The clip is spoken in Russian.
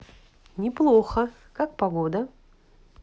неплохо как погода